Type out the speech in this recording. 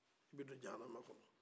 i bido jahanɛma kɔnɔ